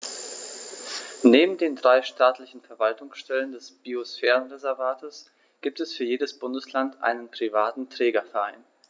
Neben den drei staatlichen Verwaltungsstellen des Biosphärenreservates gibt es für jedes Bundesland einen privaten Trägerverein.